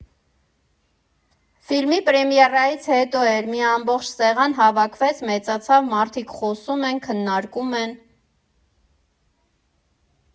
Ֆիլմի պրեմիերայից հետո էր, մի ամբողջ սեղան հավաքվեց, մեծացավ, մարդիկ խոսում են, քննարկում են։